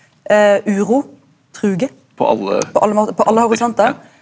uro truge på alle på alle horisontar.